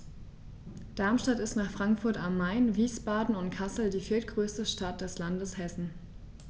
Darmstadt ist nach Frankfurt am Main, Wiesbaden und Kassel die viertgrößte Stadt des Landes Hessen